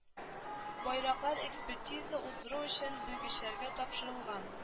Байраклар экспертиза уздыру өчен белгечләргә тапшырылган